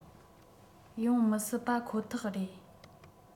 ཡོང མི སྲིད པ ཁོ ཐག རེད